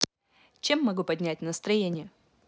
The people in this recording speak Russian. чем могу поднять настроение